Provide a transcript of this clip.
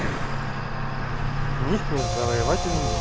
нихмед завоеватель мира